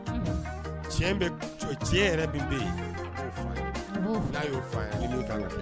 Yɛrɛ bɛ yen y'o kan ka